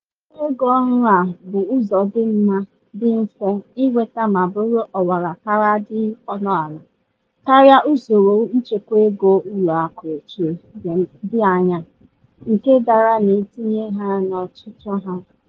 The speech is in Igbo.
Ọrụ ego ọhụrụ a bụ ụzọ dị mma, dị mfe inweta ma bụrụ ọwara kara dị ọnụala, karịa usoro nchekwaego ụlọakụ ochie 'dị anya' nke dara n'itinye ha n'ọchịchọ ha.